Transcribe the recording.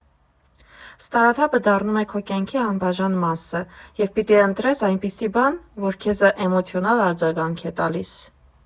Ստարտափը դառնում է քո կյանքի անբաժան մասը, և պիտի ընտրես այնպիսի բան, որը քեզ էմոցիոնալ արձագանք է տալիս։